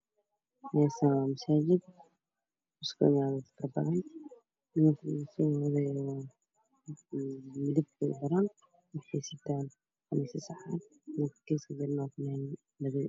Meshaan waa masaajid iskugu imaaden dad padan midapkoodu uraal waxey sitaan qamiisyo cad cad midka geeska jira waa fonad modow